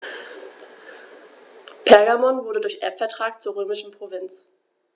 Pergamon wurde durch Erbvertrag zur römischen Provinz.